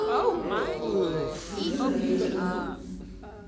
любимая песня